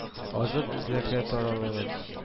— азык эзләргә таралыгыз